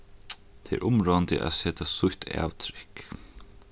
tað er umráðandi at seta sítt avtrykk